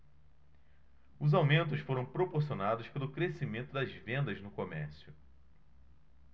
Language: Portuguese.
os aumentos foram proporcionados pelo crescimento das vendas no comércio